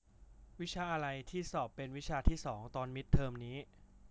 วิชาอะไรที่สอบเป็นวิชาที่สองตอนมิดเทอมนี้